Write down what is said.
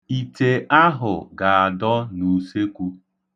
Ite ahụ ga-adọ n'usekwu.